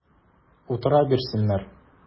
Утыра бирсеннәр!